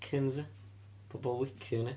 Wiccans ie. Pobl wiccan ia?